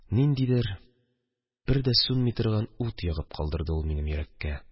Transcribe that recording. Ниндидер бер дә сүнми торган ут ягып калдырды ул минем йөрәккә.